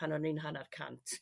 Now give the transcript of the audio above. pan o'n i'n hannar cant.